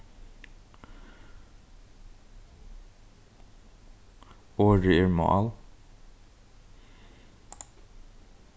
orðið er mál